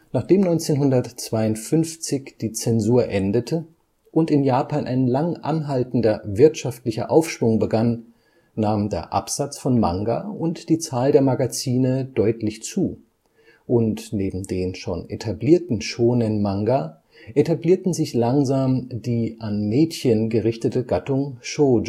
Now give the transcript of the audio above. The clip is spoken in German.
Nachdem 1952 die Zensur endete und in Japan ein lang anhaltender wirtschaftlicher Aufschwung begann, nahm der Absatz von Manga und die Zahl der Magazine deutlich zu und neben den schon etablierten Shōnen-Manga etablierten sich langsam die an Mädchen gerichtete Gattung Shōjo